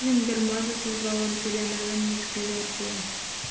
Кемнеңдер мазасызлавын теләмәгән мизгелләр була.